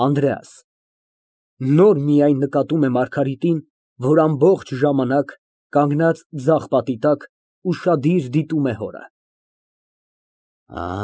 ԱՆԴՐԵԱՍ ֊ (Նոր միայն նկատում է Մարգարիտին, որ ամբողջ ժամանակ, կանգնած ձախ պատի տակ, ուշադիր դիտում է հորը)։